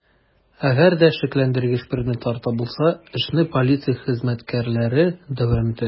Әгәр дә шикләндергеч предметлар табылса, эшне полиция хезмәткәрләре дәвам итә.